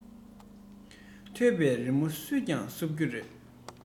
ཐོད པའི རི མོ བསུབས ཀྱང ཟུབ རྒྱུ མེད